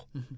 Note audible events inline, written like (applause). (hesitation) (hesitation)